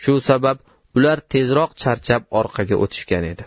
shu sabab ular tezroq charchab orqaga o'tishgan edi